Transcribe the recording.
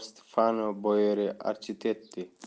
stefano boeri architetti